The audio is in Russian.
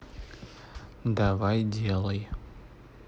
давай делай